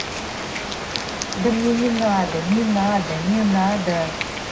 да мне не надо не надо не надо